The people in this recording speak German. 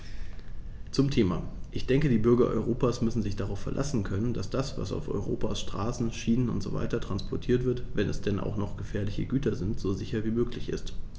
Zum Thema: Ich denke, die Bürger Europas müssen sich darauf verlassen können, dass das, was auf Europas Straßen, Schienen usw. transportiert wird, wenn es denn auch noch gefährliche Güter sind, so sicher wie möglich ist.